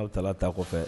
N'aw taa ta kɔfɛ